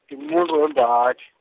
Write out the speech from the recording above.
ngumuntu wembaji.